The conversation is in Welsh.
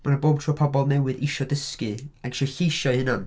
Mae 'na bob tro pobl newydd eisiau dysgu ac eisiau eu lleisiau eu hunain.